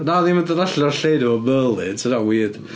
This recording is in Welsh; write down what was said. Na oedd hi'm yn dod allan o'r llyn efo Merlin, 'sa hynna'n weird.